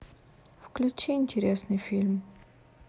включи интересный фильм